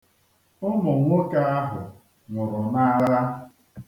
Ụmụ nwoke ahụ nwụrụ n'agha.